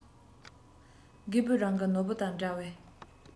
རྒད པོས རང གི ནོར བུ དང འདྲ བའི